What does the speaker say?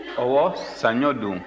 ɔwɔ saɲɔ don